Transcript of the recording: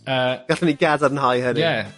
Yy. Gallwn ni gadarnhau hefyd. Ie.